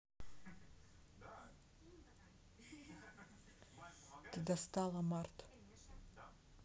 ты достала март